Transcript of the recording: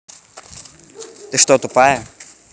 ты что тупая